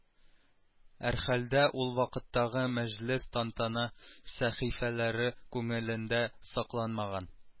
Әрхәлдә ул вакыттагы мәҗлес-тантана сәхифәләре күңелендә сакланмаган